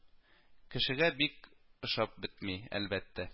Кешегә бик ошап бетми, әлбәттә